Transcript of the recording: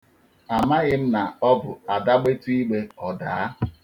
Amaghi m na ọ bụ Ada gbetụ igbe, ọ daa.